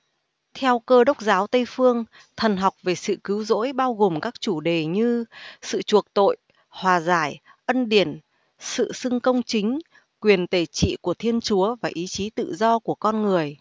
theo cơ đốc giáo tây phương thần học về sự cứu rỗi bao gồm các chủ đề như sự chuộc tội hòa giải ân điển sự xưng công chính quyền tể trị của thiên chúa và ý chí tự do của con người